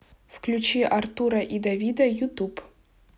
включи артура и давида ютуб